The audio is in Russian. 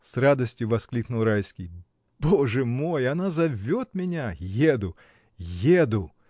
— с радостью воскликнул Райский. — Боже мой! она зовет меня: еду, еду!